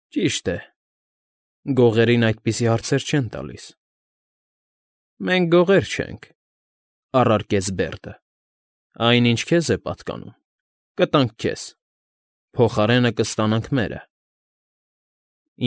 Ճիշտ է, գողերին այդպիսի հարցեր չեն տալիս։ ֊ Մենք գողեր չենք,֊ առարկեց Բերդը։֊ Այն, ինչ քեզ է պատկանում, կտանք քեզ, փոխարենը կստանանք մերը։ ֊